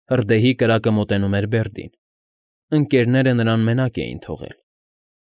Հրդեհի կրակը մոտենում էր Բերդին։ Ընկերները նրան մենակ էին թողել։